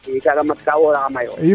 i kaga mat ka woora xama yo